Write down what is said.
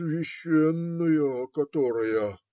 - Священная, которая.